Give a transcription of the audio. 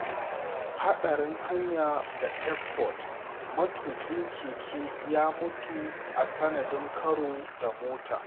Haɗarin hanya na Deptford : Matukin keke ya mutu a sanadin karo da mota